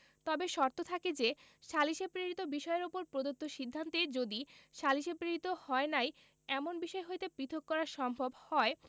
তবে শর্ত থাকে যে সালিসে প্রেরিত বিষয়ের উপর প্রদত্ত সিদ্ধান্তে যদি সালিসে প্রেরিত হয় নাই এমন বিষয় হইতে পৃথক করা সম্ভব হয়